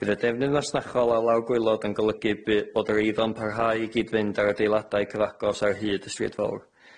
Bydd y defnydd masnachol ar lawr gwaelod yn golygu bu- bod yr eiddo'n parhau i gyd-fynd ar adeiladau cyfagos ar hyd y stryd fowr.